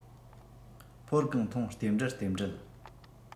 ཕོར གང འཐུང རྟེན འབྲེལ རྟེན འབྲེལ